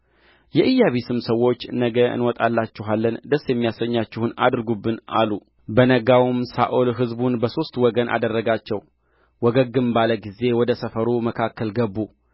የአያቢስም ሰዎች ነገ እንወጣላችኋለን ደስ የሚያሰኛችሁንም አድርጉብን አሉ በነጋውም ሳኦል ሕዝቡን በሦስት ወገን አደረጋቸው ወገግም ባለ ጊዜ ወደ ሰፈሩ መካከል ገቡ